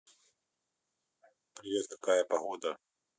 привет какая погода